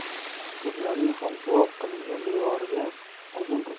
hujraning xomsuvoq qilingan devoriga uzun